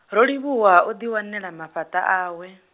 Rolivhuwa odi wanela mafhaṱa awe.